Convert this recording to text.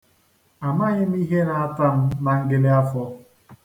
A maghi m ihe na-ata m na ngịlịafọ.